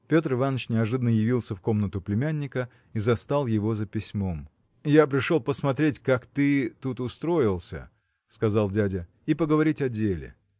Петр Иваныч неожиданно явился в комнату племянника и застал его за письмом. – Я пришел посмотреть как ты тут устроился – сказал дядя – и поговорить о деле.